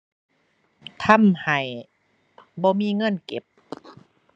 ทำให้บ่มีเงินเก็บ